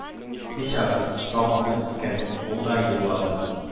Бичара, сагынган икән, ул да еглады